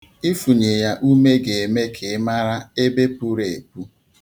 Ịfụnye ya ume ga-eme ka ị mara ebe puru epu.